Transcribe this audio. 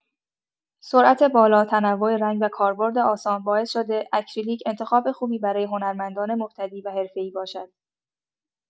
سرعت بالا، تنوع رنگ و کاربرد آسان باعث شده اکریلیک انتخاب خوبی برای هنرمندان مبتدی و حرفه‌ای باشد.